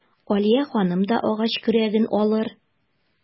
Алия ханым да агач көрәген алыр.